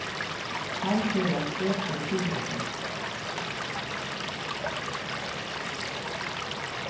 hann fer at eta súreplið